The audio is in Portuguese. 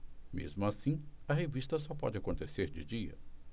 mesmo assim a revista só pode acontecer de dia